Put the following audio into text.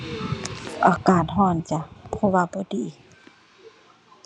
อากาศร้อนจ้ะ เพราะว่าบ่ดี